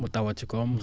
mu tawaat ci kawam